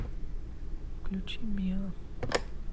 включи миа